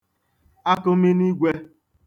akụminigwē